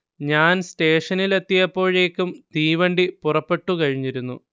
ഞാൻ സ്റ്റേഷനിലെത്തിയപ്പോഴേക്കും തീവണ്ടി പുറപ്പെട്ടു കഴിഞ്ഞിരുന്നു